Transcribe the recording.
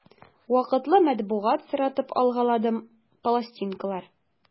Вакытлы матбугат соратып алгаладым, пластинкалар...